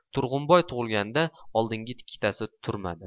turg'unboy tug'ilganda oldingi ikkitasi turmadi